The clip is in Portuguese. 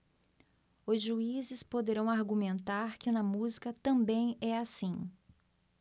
os juízes poderão argumentar que na música também é assim